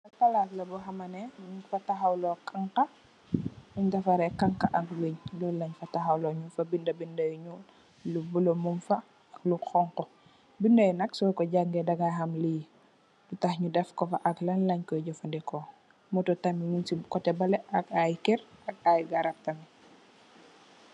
Palace labuhamneh nyu fa tawhawlo lun defarey hagha ak weng. nyu fa beda beda yu ñuul yu bolo ak lu honha mug fa so ko giseh dagai ham lo tanu daf kofa. moto tamit munge koteh bele ak ai garap tamit.